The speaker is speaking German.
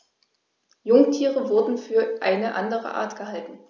Jungtiere wurden für eine andere Art gehalten.